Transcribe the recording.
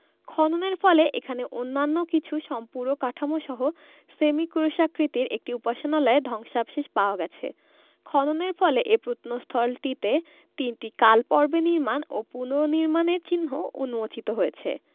খননের ফলে এখানে অন্যান্য কিছু সম্পূরক কাঠামোসহ সেমি ক্রুশাকৃতির একটি উপাসনালয়ের ধ্বংসাবশেষ পাওয়া গেছে খননের ফলে এ প্রত্নস্থলটিতে তিনটি কালপর্বে নির্মাণ ও পুনঃনির্মাণের চিহ্ন উন্মোচিত হয়েছে